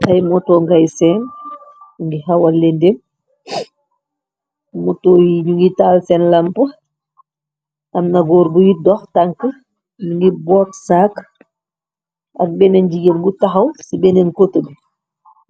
tay moto ngay seem y ngi xawal leendéem moto yi yu ngi taal seen lamp am nagoor buy dox tank yu ngi boot saak ak bénnéen jigéen bu taxaw ci benneen kota